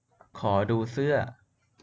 ขอดูเสื้อ